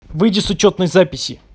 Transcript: выйди с учетной записи